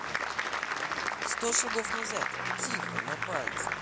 сто шагов назад тихо на пальцах